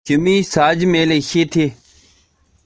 ང རང ཕ མ སྤུན ཆེད དང